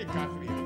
E kafiri